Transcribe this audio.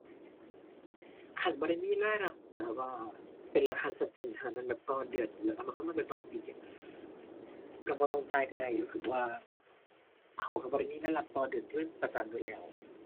คันบ่ได้มีรายรับแบบว่าเป็นหลักฐานชัดเจนขนาดนั้น แบบต่อเดือนแล้วเอามาคำนวณเป็นต่อปีอะ ก็บ่ต้องจ่ายก็ได้ รู้สึกว่าเขาก็บ่ได้มีรายรับต่อเดือนที่มันประจำอยู่แล้ว